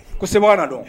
Ko se don